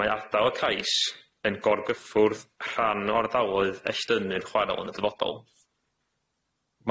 mae ardal y cais yn gorgyffwrdd rhan o ardaloedd elldynnu'r chwarel yn y dyfodol.